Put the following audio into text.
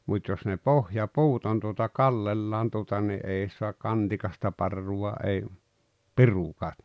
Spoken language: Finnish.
mutta jos ne pohjapuut on tuota kallellaan tuota niin ei saa kantikasta parrua ei pirukaan